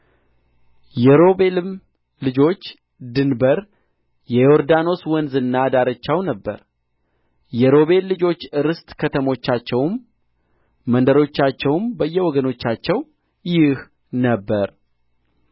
የሮቤልም ልጆች ድንበር የዮርዳኖስ ወንዝና ዳርቻው ነበረ የሮቤል ልጆች ርስት ከተሞቻቸውም መንደሮቻቸውም በየወገኖቻቸው ይህ ነበረ